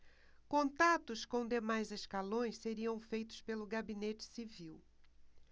contatos com demais escalões seriam feitos pelo gabinete civil